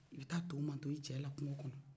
i bɛ taa to mantɔn i cɛ la kungo kɔnɔ